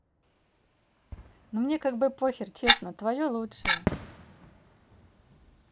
ну мне как бы похер честно твое лучшее